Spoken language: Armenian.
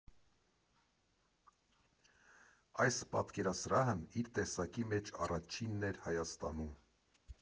Այս պատկերասրահն իր տեսակի մեջ առաջինն է Հայաստանում։